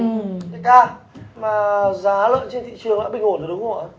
đại ca mà giá lợn trên thị trường bình đã ổn rồi đúng không ạ